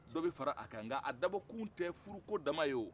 dɔ bɛ far'a kan nk'a dabɔ kun tɛ furu ko dma ye